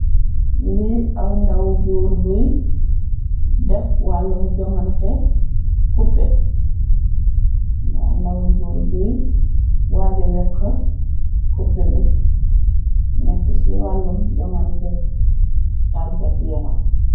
Lii ab ndaw Goor buy deff waalu jongante, cupé. Ndawu Goor buy waaja wëxxë, kupe bi, neekë si waalu, jongante, taagat yaram.